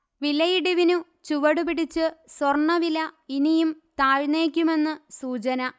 വിലയിടിവിനു ചുവടു പിടിച്ച് സ്വർണവില ഇനിയും താഴ്ന്നേക്കുമെന്നു സൂചന